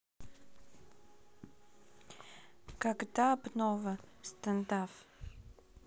когда обнова standoff